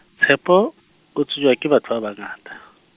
Tshepo, o tsejwa ke batho ba bangata.